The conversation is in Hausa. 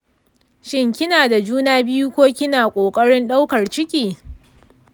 shin kina da juna biyu ko kina ƙoƙarin ɗaukar ciki?